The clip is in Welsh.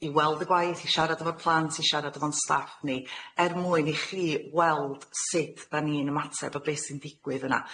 i weld y gwaith, i siarad efo'r plant, i siarad efo'n staff ni, er mwyn i chi weld sud 'dan ni'n ymateb, a be' sy'n ddigwydd yna.